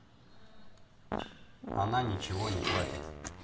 она ничего не платит